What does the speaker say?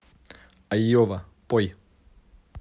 айова пой